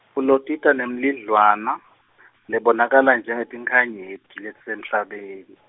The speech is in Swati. Kulotita nemlidlwana lebonakala njengetinkhanyeti letisemhlabeni.